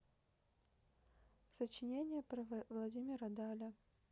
сочинение про владимира даля